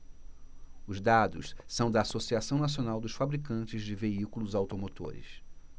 os dados são da anfavea associação nacional dos fabricantes de veículos automotores